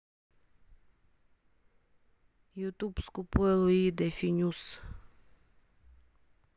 ютуб скупой луи де фюнес